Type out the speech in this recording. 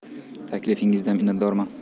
taklifingizdan minatdorman